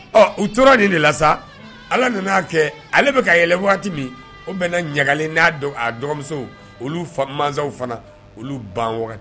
Ɔ u tora de de la sa ala nana'a kɛ ale bɛka kaɛlɛn waati min o bɛna ɲagali n'a dɔn a dɔgɔmuso oluw fana olu ban